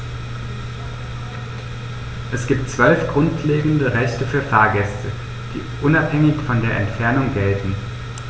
Es gibt 12 grundlegende Rechte für Fahrgäste, die unabhängig von der Entfernung gelten.